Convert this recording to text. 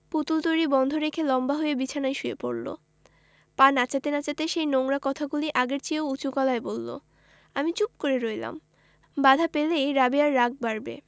পুতুল তৈরী বন্ধ রেখে লম্বা হয়ে বিছানায় শুয়ে পড়লো পা নাচাতে নাচাতে সেই নোংরা কথাগুলি আগের চেয়েও উচু গলায় বললো আমি চুপ করে রইলাম বাধা পেলেই রাবেয়ার রাগ বাড়বে